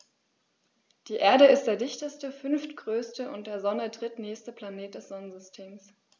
Die Erde ist der dichteste, fünftgrößte und der Sonne drittnächste Planet des Sonnensystems.